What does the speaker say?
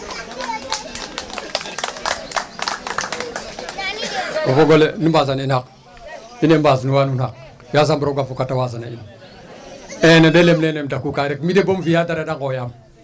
O fog ole nu mbaasana in xaq in woy mbaasnuwa nuun xaq yaasam roog a fokat a waasana in ee na ɗelem leene um dakuka rek mi' de mboom fi'aa dara da nqooyaam .